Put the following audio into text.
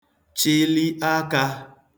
chịli akā